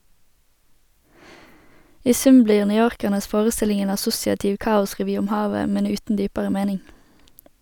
I sum blir newyorkernes forestilling en assosiativ kaosrevy om havet, men uten dypere mening.